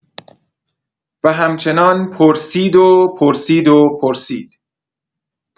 و همچنان پرسید و پرسید و پرسید.